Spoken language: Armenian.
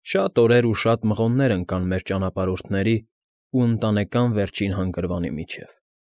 Շատ օրեր ու շատ մղոններ ընկան մեր ճանապարհորդների ու Ընտանեկան Վերջին Հանգրվանի միջև։